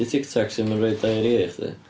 'Di Tic Tacs ddim yn rhoi diarrhea i chdi.